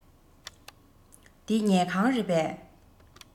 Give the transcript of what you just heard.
འདི ཉལ ཁང རེད པས